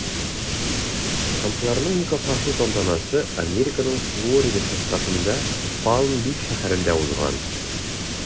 Трампларның никахлашу тантанасы Американың Флорида штатында Палм-Бич шәһәрендә узган.